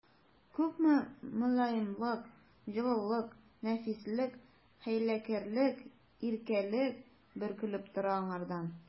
Күпме мөлаемлык, җылылык, нәфислек, хәйләкәрлек, иркәлек бөркелеп тора аңардан!